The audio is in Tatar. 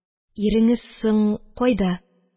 Иреңез соң кайда